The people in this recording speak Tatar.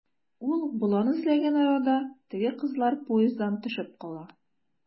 Ул болан эзләгән арада, теге кызлар поезддан төшеп кала.